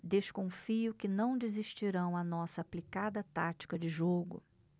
desconfio que não resistirão à nossa aplicada tática de jogo